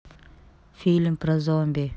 фильм про зомби